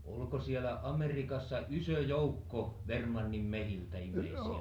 oliko siellä Amerikassa iso joukko Vermlannin metsiltä ihmisiä